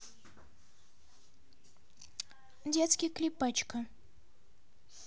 детский клипачка